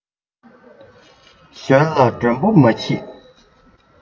ཞོལ ལ མགྲོན པོ མ མཆིས